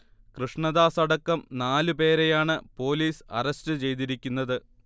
കൃഷ്ണദാസടക്കം നാല് പേരെയാണ് police arrest ചെയ്തിരിക്കുന്നത്